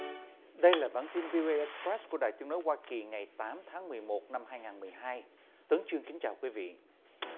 đây là bản tin vi ô ây ịch rét của đài tiếng nói hoa kỳ ngày tám tháng mười một năm hai ngàn mười hai tuấn chương kính chào quý vị